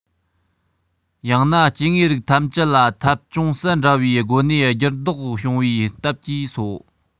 ཡང ན སྐྱེ དངོས རིགས ཐམས ཅད ལ ཐབས ཅུང ཟད འདྲ བའི སྒོ ནས འགྱུར ལྡོག བྱུང བའི སྟབས ཀྱིས སོ